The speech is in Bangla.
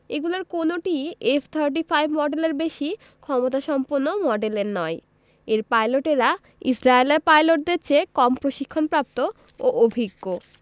এগুলোর কোনোটিই এফ থার্টি ফাইভ মডেলের বেশি ক্ষমতাসম্পন্ন মডেলের নয় এর পাইলটেরা ইসরায়েলের পাইলটদের চেয়ে কম প্রশিক্ষণপ্রাপ্ত ও অভিজ্ঞ